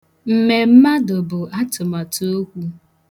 Mmemmadụ bụ atụmatụokwu.